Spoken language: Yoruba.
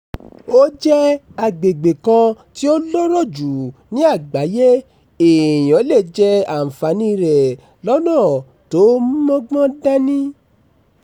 Ó jẹ́ agbègbè kan tí ó lọ́rọ̀ jù ní àgbáyé. Èèyàn lè jẹ àǹfààní rẹ̀ lọ́nà tó mọ́gbọ́n dání.